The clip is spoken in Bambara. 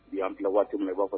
U y'an tila waati min b'a fɔ